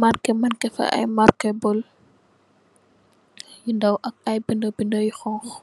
marke marke fa ay marke bull, binde yu ndaw, ak ay binde binde yu xonxu.